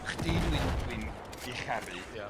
Chdi dwi'n dwi'n 'i charu. Ia.